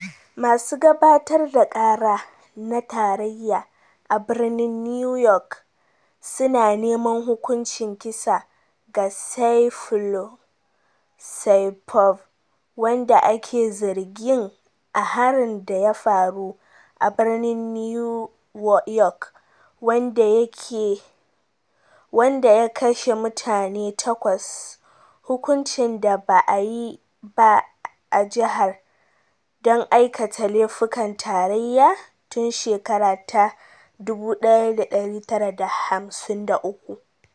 Masu gabatar da kara na tarayya a birnin New York suna neman hukuncin kisa ga Sayfullo Saipov, wanda ake zargin a harin da ya faru a birnin New York, wanda ya kashe mutane takwas - hukuncin da ba a yi ba a jihar don aikata laifukan tarayya tun shekara ta 1953.